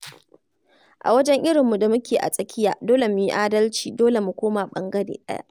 A wajen irinmu da muke a tsakiya, domin a yi adalci, dole mu koma ɓangare ɗaya.